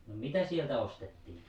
no mitä sieltä ostettiin